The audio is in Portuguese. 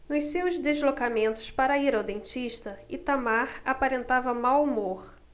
nos seus deslocamentos para ir ao dentista itamar aparentava mau humor